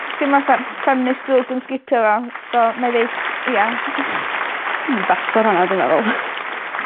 Dwi teimlo fatha feminist drwg yn sgipio fo so 'nai ddeud ia. Dwi'n myn' i basio ar honna dwi meddwl.